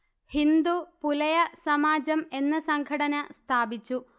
ഹിന്ദു പുലയ സമാജം എന്ന സംഘടന സ്ഥാപിച്ചു